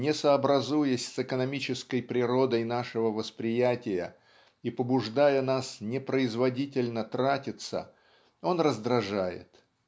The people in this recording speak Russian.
Не сообразуясь с экономической природой нашего восприятия и побуждая нас непроизводительно тратиться он раздражает